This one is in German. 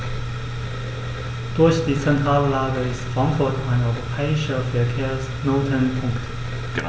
Durch die zentrale Lage ist Frankfurt ein europäischer Verkehrsknotenpunkt.